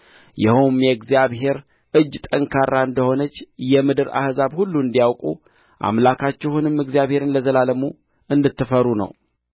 ይኸውም የእግዚአብሔር እጅ ጠንካራ እንደ ሆነች የምድር አሕዛብ ሁሉ እንዲያውቁ አምላካችሁንም እግዚአብሔርን ለዘላለሙ እንድትፈሩ ነው